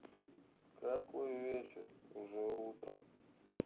какой вечер уже утро